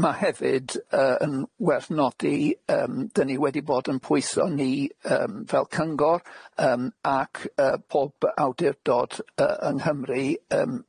ma' hefyd yy yn werth nodi yym deni wedi bod yn pwyso ni yym fel Cyngor yym ac y- pob awdurdod y- yng Nghymru yym.